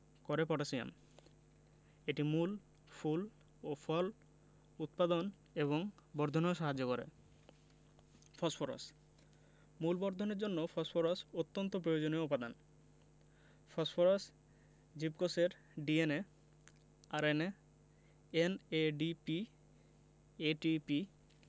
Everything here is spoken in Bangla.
করে পটাশিয়াম এটি মূল ফুল ও ফল উৎপাদন এবং বর্ধনেও সাহায্য করে ফসফরাস মূল বর্ধনের জন্য ফসফরাস অত্যন্ত প্রয়োজনীয় উপাদান ফসফরাস জীবকোষের DNA RNA NADP ATP